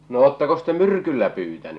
no olettekos te myrkyllä pyytänyt